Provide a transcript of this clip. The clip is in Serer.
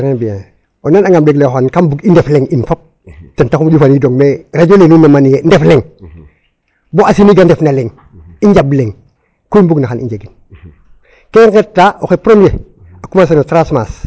Trés bien o nananga um ɗeetlooxang kam bug i Ndef leng in fop ten taxu um ƴufanidong radio le nuun nam a ne'e Ndef Leng bo a sinig a ndef na leŋ i njaɓ leŋ ku i mbugna xan i njegin ka i xeta a commencer.